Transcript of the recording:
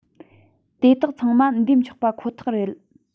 དེ དག ཚང མ འདེམས ཆོག པ ཁག ཐེག རེད